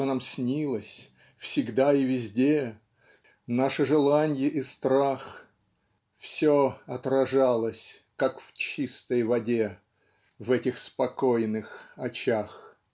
что нам снилось всегда и везде Наше желанье и страх Все отражалось как в чистой воде В этих спокойных очах.